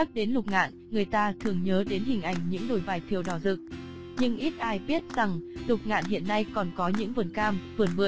nhắc đến lục ngạn người ta thường nhớ đến hình ảnh những đồi vải thiều đỏ rực nhưng ít ai biết rằng lục ngạn hiện nay còn có những vườn cam vườn bưởi